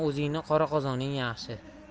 o'zingni qora qozoning yaxshi